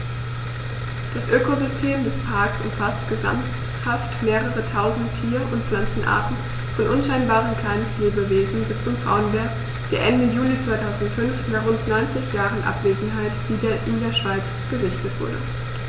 Das Ökosystem des Parks umfasst gesamthaft mehrere tausend Tier- und Pflanzenarten, von unscheinbaren Kleinstlebewesen bis zum Braunbär, der Ende Juli 2005, nach rund 90 Jahren Abwesenheit, wieder in der Schweiz gesichtet wurde.